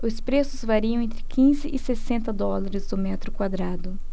os preços variam entre quinze e sessenta dólares o metro quadrado